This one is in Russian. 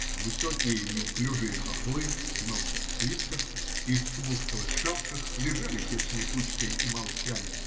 Высокие неуклюжие хохлы, в новых свитках и смушковых шапках, лежали тесной кучкой и молчали.